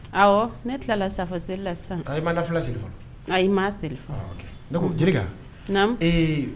Ɔ ne tilala sa selila sa a ma siri m ma siri ne ko